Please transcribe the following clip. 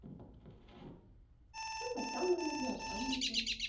сейчас овсяное люблю овсяную ем